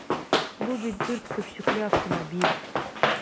Бу бит дүрт көпчәкле автомобиль!